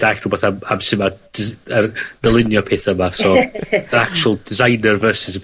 dallt rwbath am am su' ma' ds- yr dylunio peth 'ma, so... ...yr actual designer versus y